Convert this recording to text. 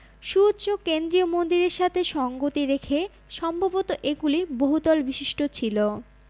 সুউচ্চ কেন্দ্রীয় মন্দিরের সাথে সঙ্গতি রেখে সম্ভবত এগুলি বহুতল বিশিষ্ট ছিল